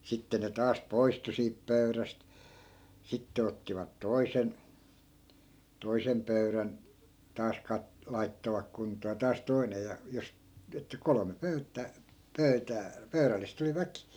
sitten ne taas poistui siitä pöydästä sitten ottivat toisen toisen pöydän taas - laittoivat kuntoon ja taas toinen ja jos että kolme pöytää pöytää pöydällistä oli väki